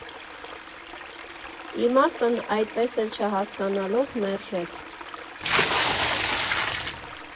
Իմաստն այդպես էլ չհասկանալով՝ մերժեց։